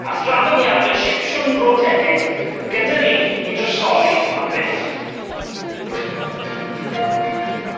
a thraddodiade Sipsiwn Bro Tegid gyda ni i drysori am byth.